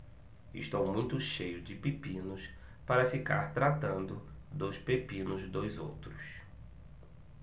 estou muito cheio de pepinos para ficar tratando dos pepinos dos outros